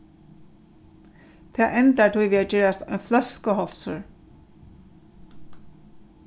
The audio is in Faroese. tað endar tí við at gerast ein fløskuhálsur